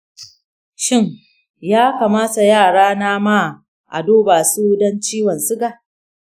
shin yakamata yara na ma a duba su don ciwon siga?